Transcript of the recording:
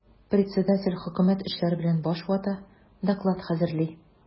Председатель хөкүмәт эшләре белән баш вата, доклад хәзерли.